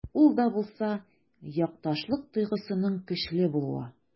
Ул да булса— якташлык тойгысының көчле булуы.